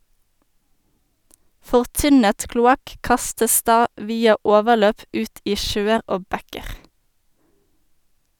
Fortynnet kloakk kastes da via overløp ut i sjøer og bekker.